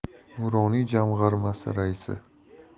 nuroniy jamg'armasi raisi